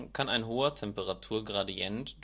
kann ein hoher Temperaturgradient